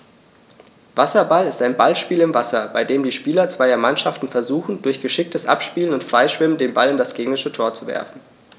Wasserball ist ein Ballspiel im Wasser, bei dem die Spieler zweier Mannschaften versuchen, durch geschicktes Abspielen und Freischwimmen den Ball in das gegnerische Tor zu werfen.